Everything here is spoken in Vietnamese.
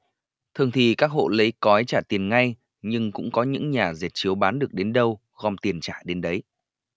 thường thì các hộ lấy cói trả tiền ngay nhưng cũng có những nhà dệt chiếu bán được đến đâu gom tiền trả đến đấy